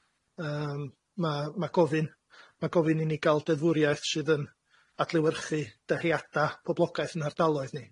Yym, ma' ma' gofyn- ma' gofyn i ni ga'l deddfwriaeth sydd yn adlewyrchu dyheada' poblogaeth 'yn hardaloedd ni.